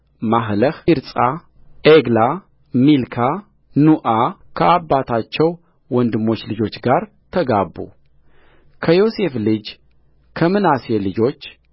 ማህለህ ቲርጻ ዔግላ ሚልካ ኑዓ ከአባታቸው ወንድሞች ልጆች ጋር ተጋቡከዮሴፍ ልጅ ከምናሴ ልጆች